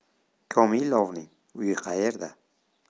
komilovning uyi qayerda